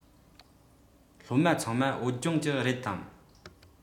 སློབ མ ཚང མ བོད ལྗོངས ཀྱི རེད དམ